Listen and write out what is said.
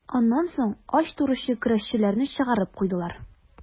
Аннан соң ач торучы көрәшчеләрне чыгарып куйдылар.